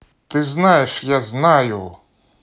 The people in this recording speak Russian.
ты знаешь я знаю